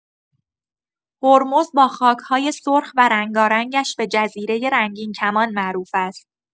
هرمز با خاک‌های سرخ و رنگارنگش به جزیره رنگین‌کمان معروف است.